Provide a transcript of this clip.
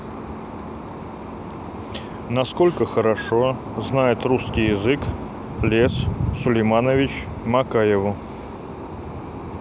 насколько хорошо знает русский язык лес сулейманович макаеву